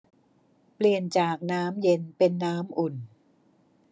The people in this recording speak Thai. เปลี่ยนจากน้ำเย็นเป็นน้ำอุ่น